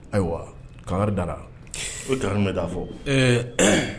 Ayiwa kangari dara e kanri minɛ'a fɔ